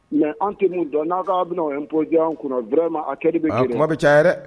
Mɛ an tun dɔn n'a k'a bɛna bojan an kunna d ma a kɛ bɛ ma bɛ caya yɛrɛ dɛ